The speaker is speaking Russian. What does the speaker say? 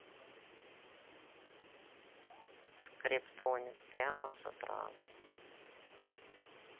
скриптонит прямо с утра